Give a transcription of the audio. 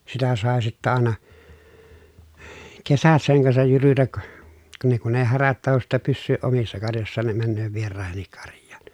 sitä sai sitten aina kesät sen kanssa jyrytä ka ne kun ei härät tahdo sitten pysyä omissa karjoissaan ne menee vieraidenkin karjaan